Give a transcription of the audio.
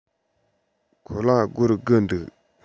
ཁོ ལ སྒོར དགུ འདུག